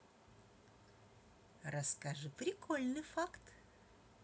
расскажи прикольный факт